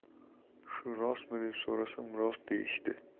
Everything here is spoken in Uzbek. shu rostmi deb so'rasam rost deyishdi